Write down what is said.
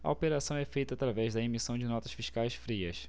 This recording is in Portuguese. a operação é feita através da emissão de notas fiscais frias